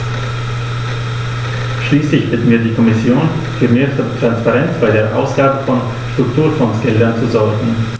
Schließlich bitten wir die Kommission, für mehr Transparenz bei der Ausgabe von Strukturfondsgeldern zu sorgen.